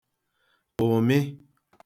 ụ̀mị